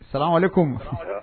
Sara ko